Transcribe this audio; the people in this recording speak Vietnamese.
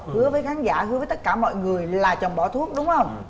hứa với khán giả hứa với tất cả mọi người là chồng bỏ thuốc đúng hông